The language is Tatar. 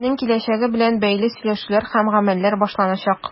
Илнең киләчәге белән бәйле сөйләшүләр һәм гамәлләр башланачак.